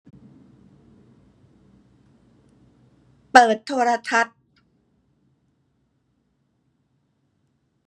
เปิดโทรทัศน์